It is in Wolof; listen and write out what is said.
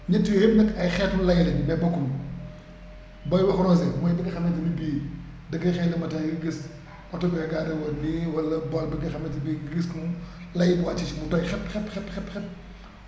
ñett yooyu yépp nag ay xeetu lay lañu mais bokkuñu booy wax rosée mooy bi nga xamante ne bii da ngay xëy le matin rekk gis oto bee garré wala nii wala bois bi nga xamante ne gis ko layu bi wàcc si mu tooy xepp xepp xepp xepp